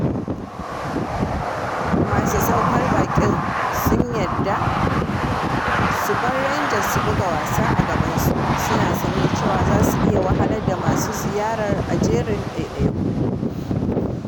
Masu saukan baƙin sun yarda su bar Rangers su buga wasa a gabansu, suna sane da cewa za su iya wahalar da masu ziyarar a jerin ɗaiɗaiku.